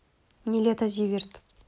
нилетто зиверт